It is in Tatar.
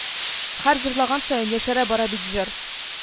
Һәр җырлаган саен яшәрә бара бит җыр